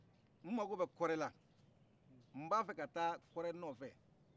mako bɛ kɔrɛ la mbafɛ ka taa kɔrɛ nɔfɛ